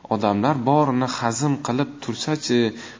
odamlar borini hazm qilib tursinchi